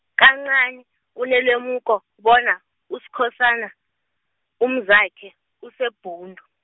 kancani, unelemuko bona, Uskhosana, umzakhe, useBhundu.